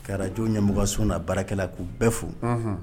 Kɛraj ɲɛmɔgɔ sun na baarakɛla k'u bɛɛ fo